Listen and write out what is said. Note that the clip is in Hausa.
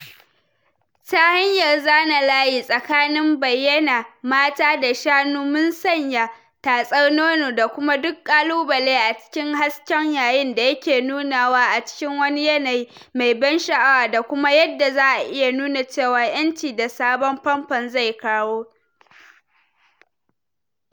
Ta hanyar zana layi tsakanin bayyana mata da shanu mun sanya tatsar nono da kuma duk kalubale a cikin hasken, yayin da yake nunawa a cikin wani yanayi mai ban sha'awa da kuma yadda za a iya nuna cewa 'yanci da sabon famfo zai kawo.